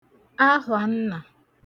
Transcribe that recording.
ahwànna